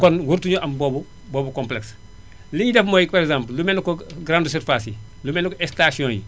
kon waratuñoo am boobu boobu complexe li ñuy def mooy par exemple lu mel ne que grandes surfaces yi lu mel ni que stations yi